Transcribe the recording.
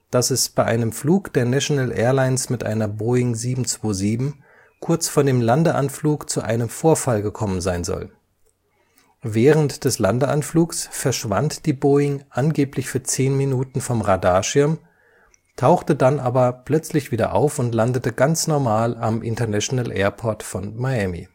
dass es bei einem Flug der National Airlines mit einer Boeing 727 kurz vor dem Landeanflug zu einem Vorfall gekommen sein soll. Während des Landeanflugs verschwand die Boeing angeblich für zehn Minuten vom Radarschirm, tauchte dann aber plötzlich wieder auf und landete ganz normal am International Airport von Miami